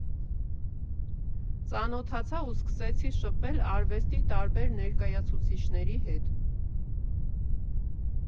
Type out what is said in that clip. Ծանոթացա ու սկսեցի շփվել արվեստի տարբեր ներկայացուցիչների հետ։